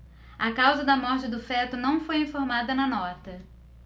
a causa da morte do feto não foi informada na nota